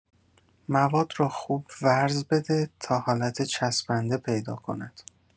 مواد را خوب ورز بده تا حالت چسبنده پیدا کند.